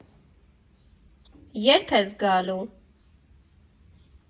Ե՞րբ ես գալու։